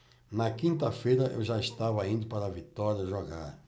na quinta-feira eu já estava indo para vitória jogar